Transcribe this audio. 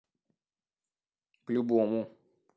к любому